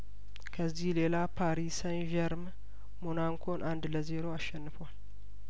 ከዚህ ሌላ ፓሪሰን ዠርም ሞናንኮን አንድ ለዜሮ አሸንፏል